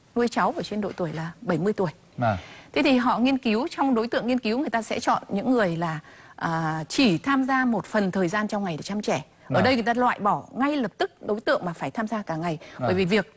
nuôi cháu ở trên độ tuổi là bảy mươi tuổi thế thì ờ họ nghiên cứu trong đối tượng nghiên cứu người ta sẽ chọn những người là à chỉ tham gia một phần thời gian trong ngày để chăm trẻ ở đây người ta loại bỏ ngay lập tức đối tượng mà phải tham gia cả ngày bởi vì việc